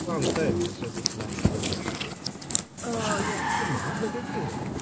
Mae'n dal i fynd it's just it's less Olivia nawr... O ie ...O she's moving mad nag yw hi?